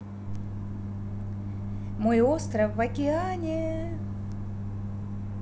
мой остров в океане